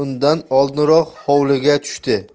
oldinroq hovliga tushdi